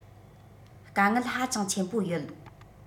དཀའ ངལ ཧ ཅང ཆེན པོ ཡོད